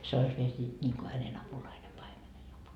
se olisi vielä siitä niin kuin hänen apulainen paimenen -